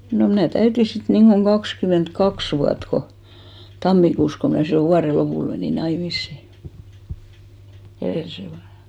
no minä täytin sitten niin kuin kaksikymmentäkaksi vuotta kun tammikuussa kun minä silloin vuoden lopulla menin naimisiin edellisenä vuonna ja